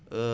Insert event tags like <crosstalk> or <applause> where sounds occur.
<hesitation>